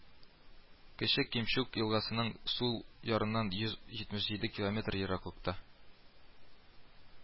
Кече Кемчуг елгасының сул ярыннан йөз җитмеш җиде километр ераклыкта